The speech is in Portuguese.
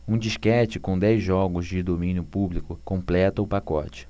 um disquete com dez jogos de domínio público completa o pacote